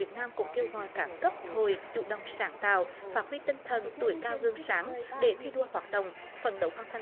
việt nam cũng kêu gọi các cấp hội chủ động sáng tạo phát huy tinh thần tuổi cao gương sáng để thi đua hoạt động phấn đấu hoàn thành